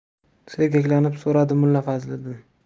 sergaklanib so'radi mulla fazliddin